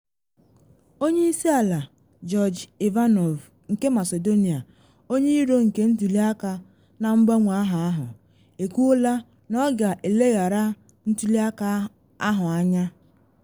Onye Isi Ala Gjorge Ivanov nke Macedonia, onye iro nke ntuli aka na mgbanwe aha ahụ, ekwuola na ọ ga-eleghara ntuli aka ahụ anya.